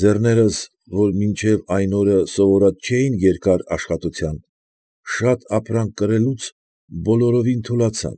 Ջեռներս, որ մինչև այն օրը սովորած չէին երկար աշխատության, շատ ապրանք կրելուց բոլորովին թուլացան,